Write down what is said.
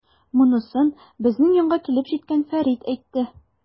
Монысын безнең янга килеп җиткән Фәрит әйтте.